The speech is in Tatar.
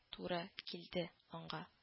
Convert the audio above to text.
Туры килде аңга